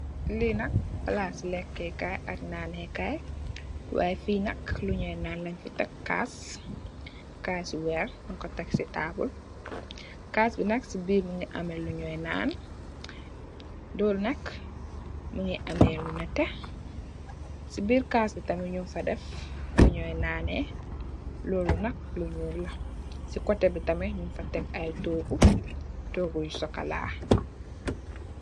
Lii nak palaasi lekk ak naanekaay la, way fi nak, ay naan lanj fi tek, kaasu weer, si taabul, kaas bi nakl si biir mingi am lo ne si biir, lool nak miingi ame lu nete, si biir kaas bi tamit nyun fa def lunj nyo naane, lolu nak lu nyuul la, si kote bi tamit nyun fa teg ay toogu, toogu yu sokola.